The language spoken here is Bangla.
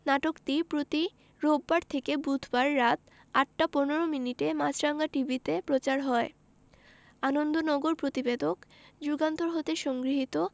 নাটকটি প্রতি রোববার থেকে বুধবার রাত ৮টা ১৫ মিনিটে মাছরাঙা টিভিতে প্রচার হয় আনন্দনগর প্রতিবেদক যুগান্তর হতে সংগৃহীত